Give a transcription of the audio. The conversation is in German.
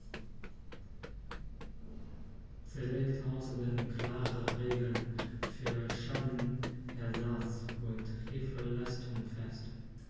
Sie legt außerdem klare Regeln für Schadenersatz und Hilfeleistung fest.